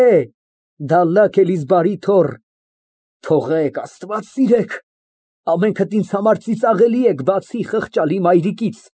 Հե, դալլաք Էլիզբարի թոռն։ Թողեք, Աստված սիրեք, ամենքդ ինձ համար ծիծաղելի եք, բացի խղճալի մայրիկից։